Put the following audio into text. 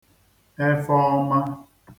ẹfhọọ̄mā